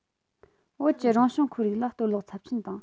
བོད ཀྱི རང བྱུང ཁོར ཡུག ལ གཏོར བརླག ཚབས ཆེན དང